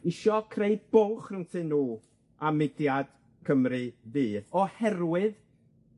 isio creu bwlch rhwngthyn nw a mudiad Cymru Fu oherwydd